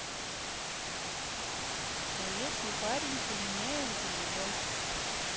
а если парень применяет грубость